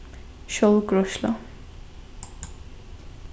sjálvgreiðsla